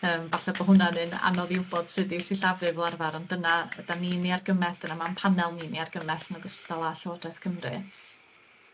yym falle bo' hwnna'n un anodd i wybod sud i'w sillafu fel arfer ond dyna 'dan ni'n 'i argymell, dyna ma'n panel ni'n 'i argymell yn ogystal â Llywodraeth Cymru.